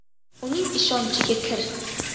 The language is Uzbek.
uning ishonchiga kirib